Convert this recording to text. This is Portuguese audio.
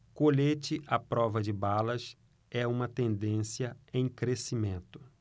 colete à prova de balas é uma tendência em crescimento